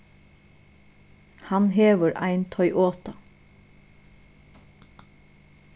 hann hevur ein toyota